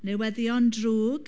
Newyddion drwg.